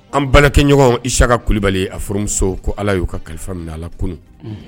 Anbakɛɲɔgɔnwsakali kulubali a fɔramuso ko ala y'u ka kalifa minɛla kunun